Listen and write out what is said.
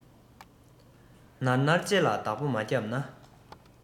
ནར ནར ལྕེ ལ བདག པོ མ རྒྱབ ན